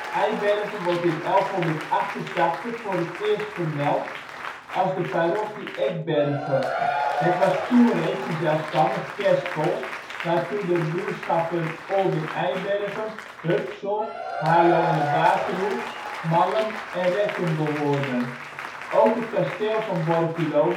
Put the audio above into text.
Eibergen wordt in 1188 voor het eerst vermeld als de parochia Ecberghe. Het was toen reeds een zelfstandig kerspel, waartoe de buurschappen Olden Eibergen, Hupsel, Haarlo en de Waterhoek, Mallem en Rekken behoorden. Ook het kasteel van Borculo